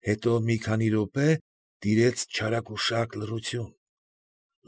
Հետո մի քանի րոպե տիրեց չարագուշակ լոություն։